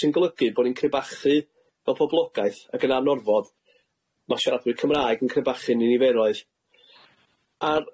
sy'n golygu bo' ni'n crebachu fel poblogaeth ac yn anorfod ma' siaradwyr Cymraeg yn crebachu'n i niferoedd.